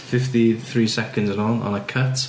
Fifty three seconds yn ôl oedd 'na cut.